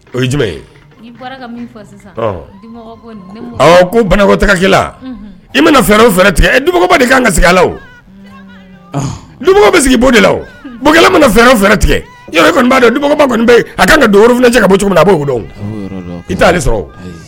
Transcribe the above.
O ye jumɛn ko banakotaakila i mana fɛ o tigɛ du de kan sigilaw du bɛ sigi bɔ de la mana fɛɛrɛ tigɛ du bɛ a ka ka dof fana cɛ ka bɔ cogo na a b'o dɔn i t' sɔrɔ